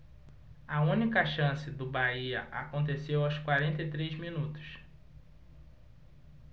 a única chance do bahia aconteceu aos quarenta e três minutos